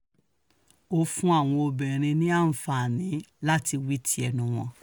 Ó fún àwọn obìnrin ní àǹfààní láti wí ti ẹnu wọn.